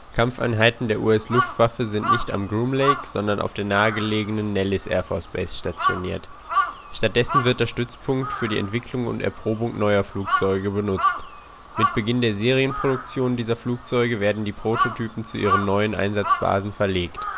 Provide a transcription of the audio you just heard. Kampfeinheiten sind nicht am Groom Lake, sondern auf der nahegelegenen Nellis AFB stationiert. Stattdessen wird der Stützpunkt für die Entwicklung und Erprobung neuer Flugzeuge benutzt. Mit Beginn der Serienproduktion dieser Flugzeuge werden die Prototypen zu ihren neuen Einsatzbasen verlegt